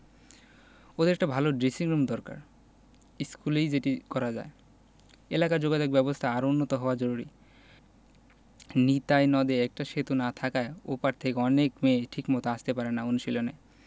ওদের একটা ভালো ড্রেসিংরুম দরকার স্কুলেই যেটি করা যায় এলাকার যোগাযোগব্যবস্থা আরও উন্নত হওয়া জরুরি নিতাই নদে একটা সেতু না থাকায় ও পার থেকে অনেক মেয়ে ঠিকমতো আসতে পারে না অনুশীলনে